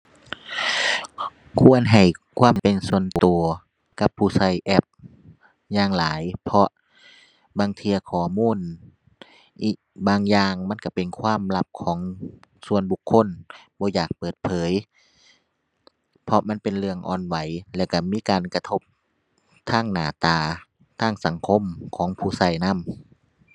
ควรให้ความเป็นส่วนตัวกับผู้ตัวแอปอย่างหลาย เพราะ บางเที่ยข้อมูล อิ บางอย่างมันตัวเป็นความลับของส่วนบุคคล บ่อยากเปิดเผย เพราะมันเป็นเรื่องอ่อนไหวแล้วตัวมีการกระทบทางหน้าตาทางสังคมของผู้ตัวนำ